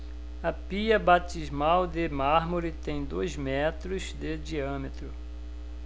a pia batismal de mármore tem dois metros de diâmetro